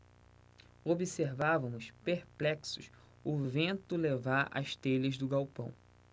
observávamos perplexos o vento levar as telhas do galpão